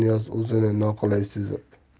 niyoz o'zini noqulay sezib